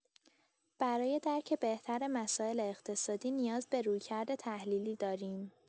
برای درک بهتر مسائل اقتصادی، نیاز به رویکرد تحلیلی داریم.